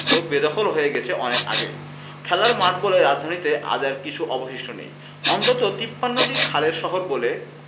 বেদখল হয়ে গেছে অনেক আগেই খেলার মাঠ বলে রাজধানীতে আজ আর কিছু অবশিষ্ট নেই অন্তত ৫৩টি খালের শহর বলে